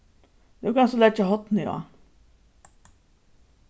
nú kanst tú leggja hornið á